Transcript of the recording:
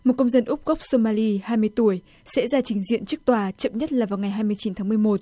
một công dân úc gốc sô ma li hai mươi tuổi sẽ ra trình diện trước tòa chậm nhất là vào ngày hai mươi chín tháng mười một